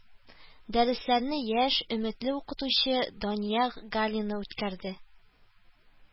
Дәресләрне яшь, өметле укытучы Дания Галина үткәрде